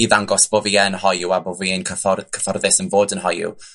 i ddangos bo' fi yn hoyw a bo' fi yn cyfordd- cyfforddus yn fod yn hoyw.